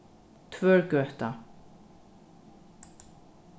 tvørgøta